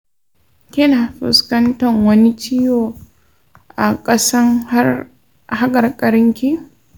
kina fuskantan wani ciwo a ƙasan haƙarƙarinki?